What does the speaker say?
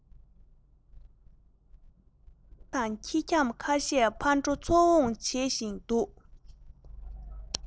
ཕག དང ཁྱི འཁྱམ ཁ ཤས ཕར འགྲོ ཚུར འོང བྱེད བཞིན འདུག